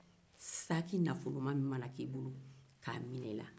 saki nafoloman min mana kɛ i bolo k'a minɛ i la